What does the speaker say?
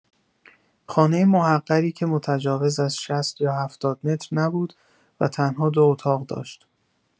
خانه محقری که متجاوز از ۶۰ یا ۷۰ متر نبود و تنها دو اتاق داشت.